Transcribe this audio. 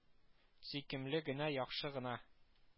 Сөйкемле генә, яхшы гына